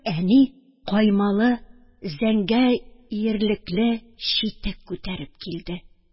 Әни каймалы зәңгәр йирлекле читек күтәреп килде